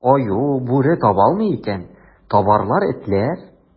Аю, бүре таба алмый икән, табарлар этләр.